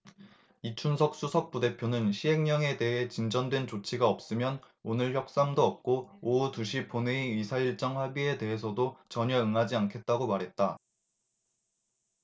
이춘석 수석부대표는 시행령에 대해 진전된 조치가 없으면 오늘 협상도 없고 오후 두 시 본회의 의사일정 합의에 대해서도 전혀 응하지 않겠다고 말했다